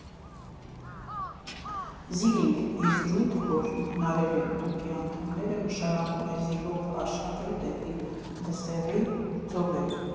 Զիլինգ եզրույթը, որը հնարել են ՏՈՒԿ֊ի անդամները, նշանակում է «զիլով արշավել դեպի Դսեղի ծովեր»։